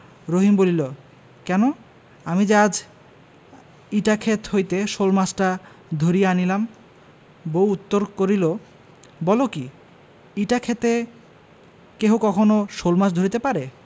রহিম বলিল কেন আমি যে আজ ইটা ক্ষেত হইতে শোলমাছটা ধরিয়া আনিলাম বউ উত্তর করিল বল কি ইটা ক্ষেতে কেহ কখনো শোলমাছ ধরিতে পারে